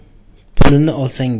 pulini olsang